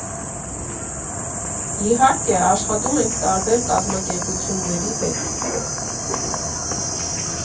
Իհարկե, աշխատում ենք տարբեր կազմակերպությունների հետ։